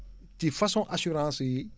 ci façon assurance yi